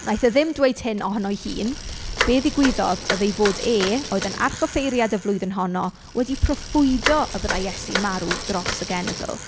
Wnaeth e ddim dweud hyn ohono eii hun, be ddigwyddodd oedd ei fod e oedd yn archoffeiriad y flwyddyn honno wedi proffwydo y byddai Iesu'n marw dros y genedl.